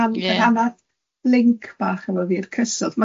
linc bach efo fi i'r cyswllt.